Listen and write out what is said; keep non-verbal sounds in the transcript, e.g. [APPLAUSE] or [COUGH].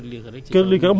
[HESITATION] [HESITATION] fële montagne